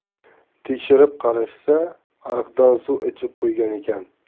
tekshirib qarashsa ariqdan suv ichib qo'ygan ekan